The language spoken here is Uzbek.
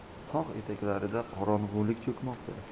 tog' etaklariga qorong'ulik cho'kmoqda